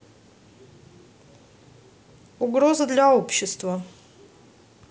угроза для общества